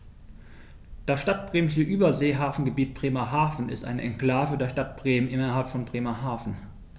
Das Stadtbremische Überseehafengebiet Bremerhaven ist eine Exklave der Stadt Bremen innerhalb von Bremerhaven.